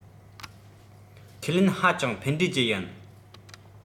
ཁས ལེན ཧ ཅང ཕན འབྲས ཅན ཡིན